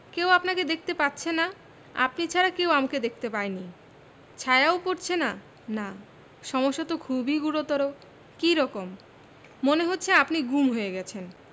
কেউ আপনাকে দেখতে পাচ্ছে না আপনি ছাড়া কেউ আমাকে দেখতে পায়নি ছায়াও পড়ছে না না সমস্যা তো খুবই গুরুতর কী রকম মনে হচ্ছে আপনি গুম হয়ে গেছেন